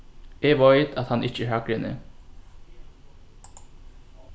eg veit at hann ikki er hægri enn eg